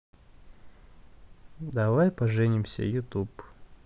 давай поженимся ютуб